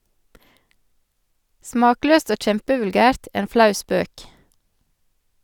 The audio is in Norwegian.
- Smakløst og kjempevulgært, en flau spøk.